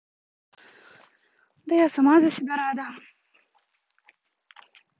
да я сама за себя рада